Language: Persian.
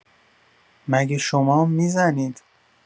مگه شمام می‌زنید؟